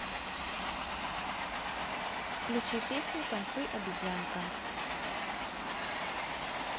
включи песню танцуй обезьянка